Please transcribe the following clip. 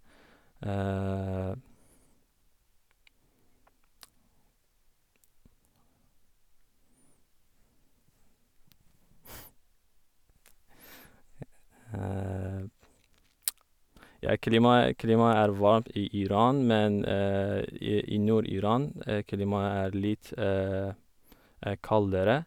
Ja, klimaet klimaet er varmt i Iran, men i i Nord-Iran, klimaet er litt kaldere.